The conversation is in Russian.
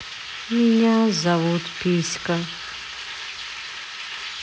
меня зовут писька